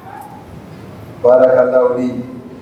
Baaralaw di